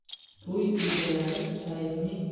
to'y egalari shayxning